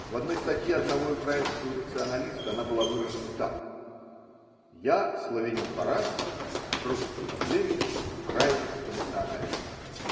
В одной статье одного украинского националиста она была выражена так: Я – славянин по расе, русский по племени, украинец по национальности.